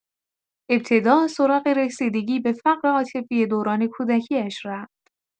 ابتدا سراغ رسیدگی به فقر عاطفی دوران کودکی‌اش رفت.